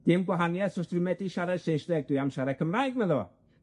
Dim gwahaniaeth os dwi'n medru siarad Saesneg, dwi am siarad Cymraeg, medda fo.